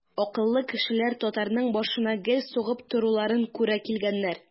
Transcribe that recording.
Акыллы кешеләр татарның башына гел сугып торуларын күрә килгәннәр.